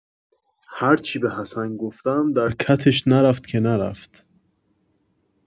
هرچی به حسن گفتم در کتش نرفت که نرفت